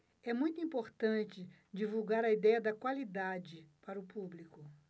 é muito importante divulgar a idéia da qualidade para o público